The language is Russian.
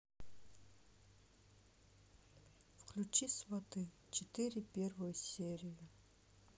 включи сваты четыре первую серию